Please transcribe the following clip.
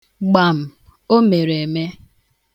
Gbam! O mere eme.